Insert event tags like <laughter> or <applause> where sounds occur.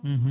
<hesitation> <hesitation>